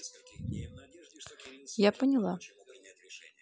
я поняла